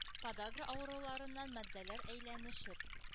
Подагра авыруларыннан, матдәләр әйләнешен